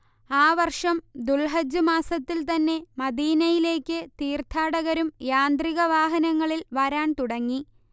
ആ വർഷം ദുൽഹജ്ജ് മാസത്തിൽ തന്നെ മദീനയിലേക്ക് തീർത്ഥാടകരും യാന്ത്രിക വാഹനങ്ങളിൽ വരാൻ തുടങ്ങി